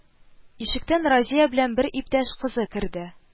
Ишектән Разия белән бер иптәш кызы керде